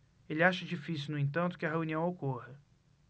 ele acha difícil no entanto que a reunião ocorra